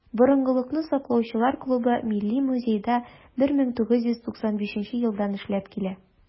"борынгылыкны саклаучылар" клубы милли музейда 1995 елдан эшләп килә.